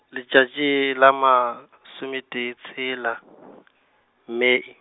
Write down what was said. letšatši la masome tee tshela , Mei.